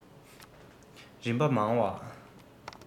རིམ པ མང བ